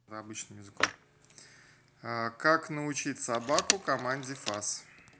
как научить собаку команде фас